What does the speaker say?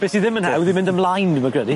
Be' sy ddim yn hawdd yw mynd ymlaen, dwi'm yn credu.